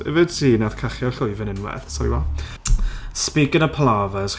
Ife ti wnaeth cachu ar y llwyfan unwaith? Sorry what? Sorry speaking of palavas.